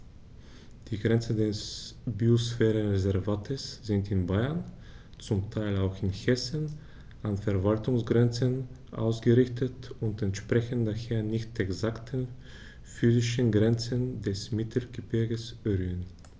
Die Grenzen des Biosphärenreservates sind in Bayern, zum Teil auch in Hessen, an Verwaltungsgrenzen ausgerichtet und entsprechen daher nicht exakten physischen Grenzen des Mittelgebirges Rhön.